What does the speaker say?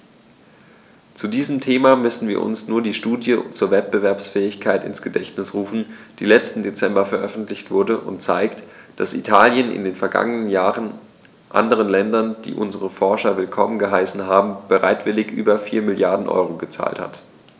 Zu diesem Thema müssen wir uns nur die Studie zur Wettbewerbsfähigkeit ins Gedächtnis rufen, die letzten Dezember veröffentlicht wurde und zeigt, dass Italien in den vergangenen Jahren anderen Ländern, die unsere Forscher willkommen geheißen haben, bereitwillig über 4 Mrd. EUR gezahlt hat.